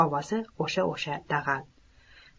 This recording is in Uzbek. ovozi o'sha o'sha dag'al